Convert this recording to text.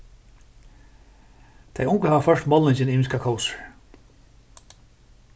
tey ungu hava ført málningin ymiskar kósir